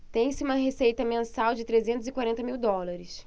tem-se uma receita mensal de trezentos e quarenta mil dólares